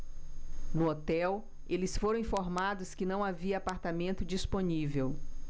no hotel eles foram informados que não havia apartamento disponível